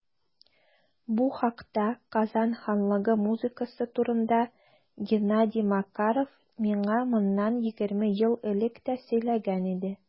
Бу хакта - Казан ханлыгы музыкасы турында - Геннадий Макаров миңа моннан 20 ел элек тә сөйләгән иде.